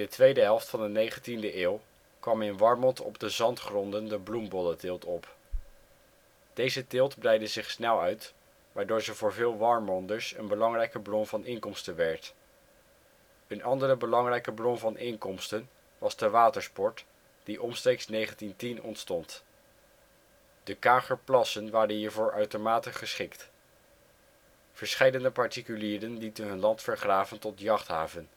tweede helft van de negentiende eeuw kwam in Warmond op de zandgronden de bloembollenteelt op. Deze teelt breidde zich snel uit waardoor ze voor veel Warmonders een belangrijke bron van inkomsten werd. Een andere belangrijke bron van inkomsten was de watersport, die omstreeks 1910 ontstond. De Kagerplassen waren hiervoor uitermate geschikt. Verscheidene particulieren lieten hun land vergraven tot jachthaven